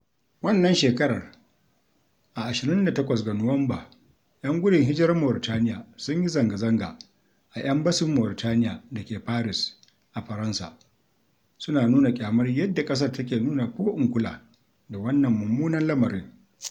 Wannan shekarar a 28 ga Nuwamba, 'yan gudun hijirar Mauritaniya sun yi zanga-zanga a embasin Mauritaniya da ke Paris, a Faransa, suna nuna ƙyamar yadda ƙasar take nuna ko-in-kula da wannan mummunan lamarin.